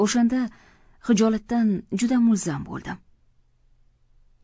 o'shanda xijolatdan juda mulzam bo'ldim